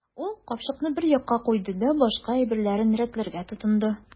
Ул капчыкны бер якка куйды да башка әйберләрен рәтләргә тотынды.